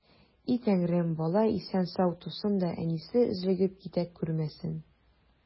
И Тәңрем, бала исән-сау тусын да, әнисе өзлегеп китә күрмәсен!